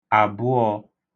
àbụọ̄